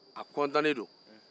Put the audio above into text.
a kɔntannen don